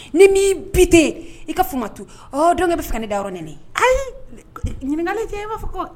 Ni n m'i buté i k'a fɔ n ma tu, ɔɔ donc e bɛ fɛ ka ne dayɔrɔ nɛnɛ. Ayi ɲininkali kɛ i b'a fɔ ko